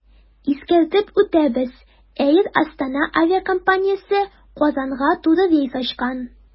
Искәртеп үтәбез, “Эйр Астана” авиакомпаниясе Казанга туры рейс ачкан.